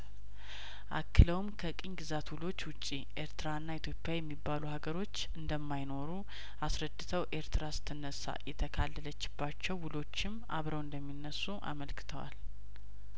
አክለውም ከቅኝ ግዛትውሎች ውጪ ኤርትራና ኢትዮጵያ የሚባሉ ሀገሮች እንደማይኖሩ አስረድተው ኤርትራ ስት ነሳ የተካለለች ባቸውው ሎችም አብረው እንደሚነሱ አመልክተዋል